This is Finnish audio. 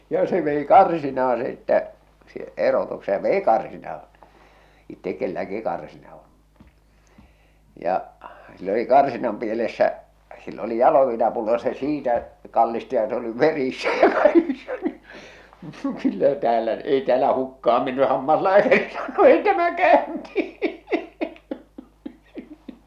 ja se vei karsinaan sitten - erotuksen ja vei karsinaan itse kenelläkin karsina on ja sillä oli karsinan pielessä sillä oli jaloviinapullo ja se siitä kallisti ja se oli verissä ja kaikissa niin kyllä täällä ei täällä hukkaan mennyt hammaslääkärillä tämä käynti